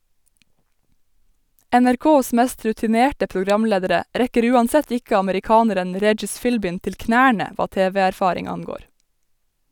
NRKs mest rutinerte programledere rekker uansett ikke amerikaneren Regis Philbin til knærne hva TV-erfaring angår.